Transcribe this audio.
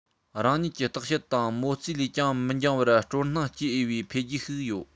རང ཉིད ཀྱི བརྟག དཔྱད དང མོ རྩིས ལས ཀྱང མི འགྱངས པར སྤྲོ སྣང སྐྱེ འོས པའི འཕེལ རྒྱས ཤིག ཡོད